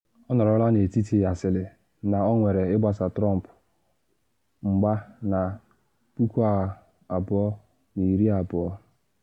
Ọ nọrọla n’etiti asịlị na ọ nwere ịgbasa Trump mgba na 2020.